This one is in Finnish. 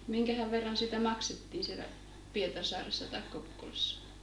minkähän verran siitä maksettiin siellä Pietarsaaressa tai Kokkolassa